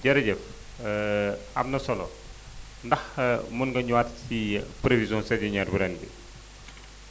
jërëjëf am na solo ndax mën nga ñëwaat si prévision saisonière bu ren bi